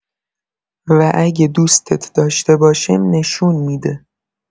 و اگه دوستت داشته باشه نشون می‌ده.